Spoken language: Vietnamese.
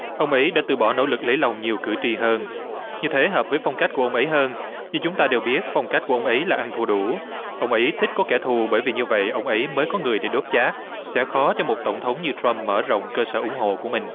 ông ấy đã từ bỏ nỗ lực lấy lòng nhiều cử tri hơn như thế hợp với phong cách của mỹ hơn như chúng ta đều biết phong cách của ông ý là ăn thua đủ ông ý thích có kẻ thù bởi vì như vậy ông ấy mới có người để đốt chát sẽ khó cho một tổng thống như trăm mở rộng cơ sở ủng hộ của mình